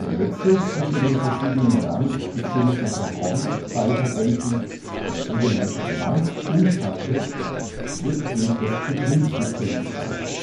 Wechsel zwischen den verschiedenen RAM bzw. ROM-Speicherbänken, die Bankumschaltung, wird durch das Betriebssystem gesteuert